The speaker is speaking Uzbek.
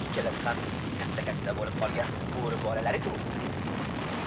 uchalasi ham katta katta bo'lib qolgan bo'ri bolalari ku